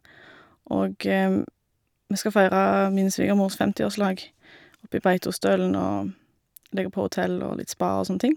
Og vi skal feire min svigermors femtiårslag oppi Beitostølen og ligge på hotell og litt spa og sånne ting.